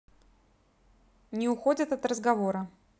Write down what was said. не уходят от разговора